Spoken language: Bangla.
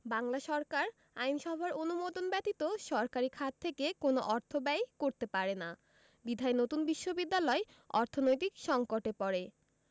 বাংলা সরকার আইনসভার অনুমোদন ব্যতীত সরকারি খাত থেকে কোন অর্থ ব্যয় করতে পারে না বিধায় নতুন বিশ্ববিদ্যালয় অর্থনৈতিক সংকটে পড়ে